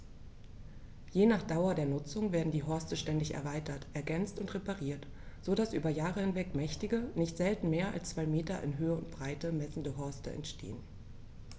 Je nach Dauer der Nutzung werden die Horste ständig erweitert, ergänzt und repariert, so dass über Jahre hinweg mächtige, nicht selten mehr als zwei Meter in Höhe und Breite messende Horste entstehen.